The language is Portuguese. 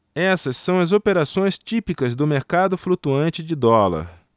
essas são as operações típicas do mercado flutuante de dólar